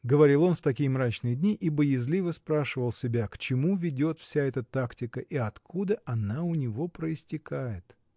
— говорил он в такие мрачные дни и боязливо спрашивал себя, к чему ведет вся эта тактика и откуда она у него проистекает?